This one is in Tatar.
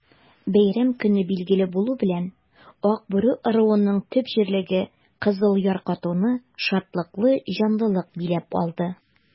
Бәйрәм көне билгеле булу белән, Акбүре ыруының төп җирлеге Кызыл Яр-катауны шатлыклы җанлылык биләп алды.